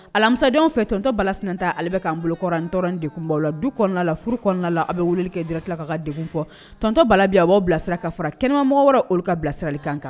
Alamisadenw fɛ tɔnontɔ bala sen ta ale bɛ k'an bolokɔrɔ dɔrɔn dekbɔ la du kɔnɔna la furu kɔnɔnala a bɛ wulili kɛ dira tila ka ka de fɔtɔnontɔ bala a b'aw bilasira ka fara kɛnɛmamɔgɔ wɛrɛ olu ka bilasirali kan kan